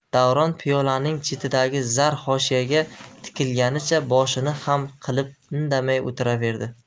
davron piyolaning chetidagi zar hoshiyaga tikilganicha boshini xam qilib indamay o'tiraverdi